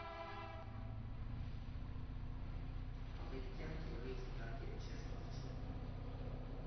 Ամերիկյան կինոյից, իհարկե, չես փախչի։